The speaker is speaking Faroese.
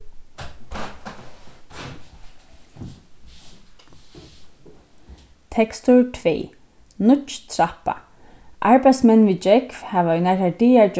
tekstur tvey nýggj trappa arbeiðsmenn við gjógv hava í nakrar dagar